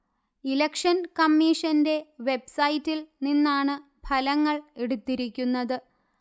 election കമ്മീഷന്റെ web സൈറ്റിൽ നിന്നാണ് ഫലങ്ങൾ എടുത്തിരിക്കുന്നത്